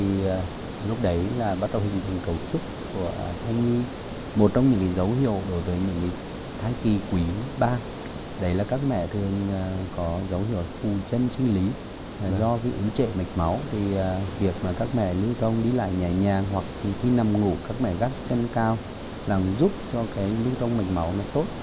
thì lúc đấy là bắt đầu hình thành cấu trúc của thai nhi một trong những dấu hiệu đối với những cái thai kỳ quý ba đây là các mẹ thường à có dấu hiệu phù chân sinh lý do bị ứ trệ mạch máu thì việc mà các mẹ lưu thông đi lại nhẹ nhàng hoặc khi nằm ngủ các mẹ gác chân cao làm giúp cho cái lưu thông mạch máu là tốt